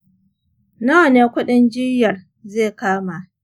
nawa ne kuɗin jiyyar zai kama?